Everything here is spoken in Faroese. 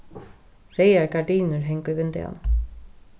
reyðar gardinur hanga í vindeyganum